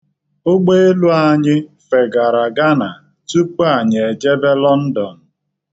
Ụgbọelu anyị fegara Ghana tupu anyị ejebe London.